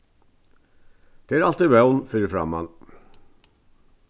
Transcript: tað er altíð vón fyri framman